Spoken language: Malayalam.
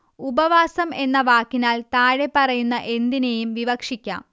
ഉപവാസം എന്ന വാക്കിനാൽ താഴെപ്പറയുന്ന എന്തിനേയും വിവക്ഷിക്കാം